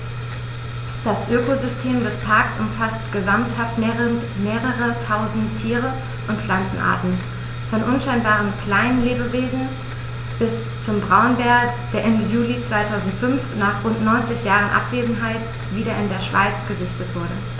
Das Ökosystem des Parks umfasst gesamthaft mehrere tausend Tier- und Pflanzenarten, von unscheinbaren Kleinstlebewesen bis zum Braunbär, der Ende Juli 2005, nach rund 90 Jahren Abwesenheit, wieder in der Schweiz gesichtet wurde.